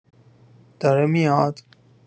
داره میاد؟